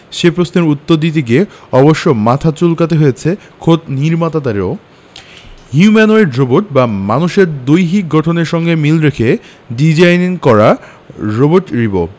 সে প্রশ্নের উত্তর দিতে গিয়ে অবশ্য মাথা চুলকাতে হয়েছে খোদ নির্মাতাদেরও হিউম্যানোয়েড রোবট বা মানুষের দৈহিক গঠনের সঙ্গে মিল রেখে ডিজাইন করা রোবট রিবো